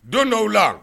Don dɔw' o la